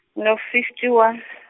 ngo fifty one .